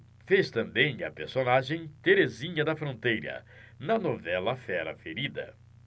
fez também a personagem terezinha da fronteira na novela fera ferida